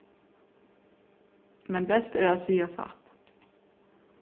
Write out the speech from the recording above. men best er at siga satt